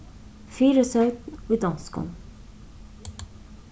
fyrisøgn í donskum